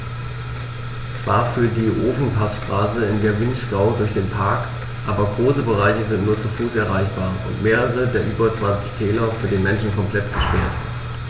Zwar führt die Ofenpassstraße in den Vinschgau durch den Park, aber große Bereiche sind nur zu Fuß erreichbar und mehrere der über 20 Täler für den Menschen komplett gesperrt.